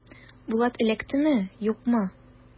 Булат эләктеме, юкмы?